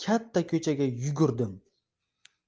katta ko'chaga yugurdim